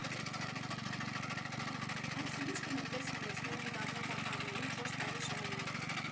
Այդ խմիչքը նույնպես հնեցնում են կաղնե տակառներում չորս տարի շարունակ։